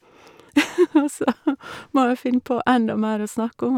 Og så må jeg finne på enda mer å snakke om.